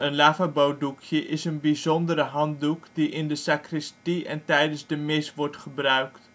lavabodoekje is een bijzondere handdoek die in de sacristie en tijdens de Mis gebruikt